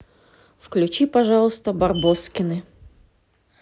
включи пожалуйста барбоскины